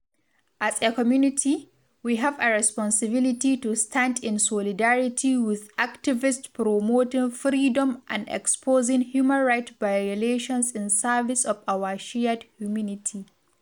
As a community, we have a responsibility to stand in solidarity with activists promoting freedom and exposing human rights violations in service of our shared humanity.